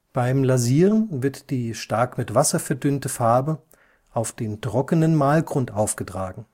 Beim Lasieren wird die stark mit Wasser verdünnte Farbe auf den trockenen Malgrund aufgetragen